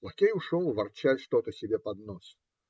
Лакей ушел, ворча что-то себе под нос.